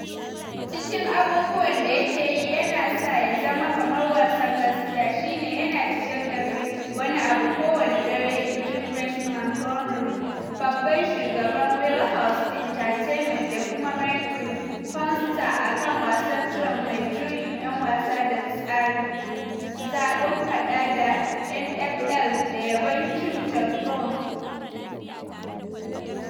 “Cikin abubuwan da yake yi yana sa ya zama kamar wasan gaskia shi ne yana ciyar da kai wani abu kowane dare,” inji Brent Mongomery, babban shugaban Wheelhouse Entertainment da kuma makerin “Pawn Stars,” akan wasan Trump mai juyin yan wasa da tsari (zabin faɗa da N.F.L, da yabon Kim Jong-un).